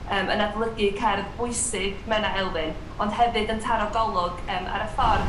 yym yn adolygu cerdd bwysig Menna Elfyn, ond hefyd yn taro golwg yym ar y ffordd